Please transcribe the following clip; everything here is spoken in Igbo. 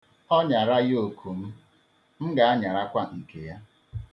Ọ nyara yok m, m ga-anyarakwa nke ya.